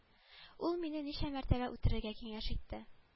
Ул мине ничә мәртәбә үтерергә киңәш итте